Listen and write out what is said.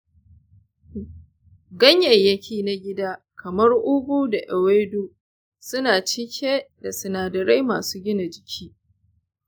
ganyayyaki na gida kamar ugu da ewedu suna cike da sinadarai masu gina jiki.